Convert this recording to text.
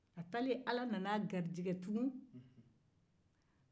a taalen ala nana a garijɛgɛ tugun